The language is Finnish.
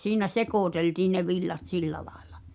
siinä sekoiteltiin ne villat sillä lailla